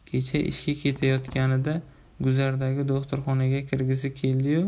kecha ishga ketayotganida guzardagi do'xtirxonaga kirgisi keldi yu